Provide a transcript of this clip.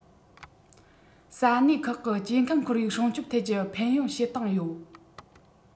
ས གནས ཁག གི སྐྱེ ཁམས ཁོར ཡུག སྲུང སྐྱོང ཐད ཀྱི ཕན ཡོད བྱེད སྟངས ཡོད